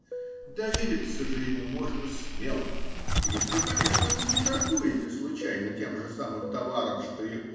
довериться же ему можно смело -- если, конечно, вы не торгуете случайно тем же самым товаром, что и он.